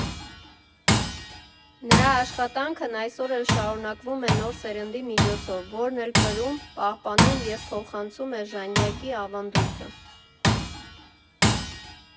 Նրա աշխատանքն այսօր էլ շարունակվում է նոր սերնդի միջոցով, որն էլ կրում, պահպանում և փոխանցում է ժանյակի ավանդույթը։